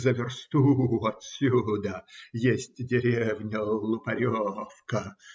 За версту отсюда есть деревня Лупаревка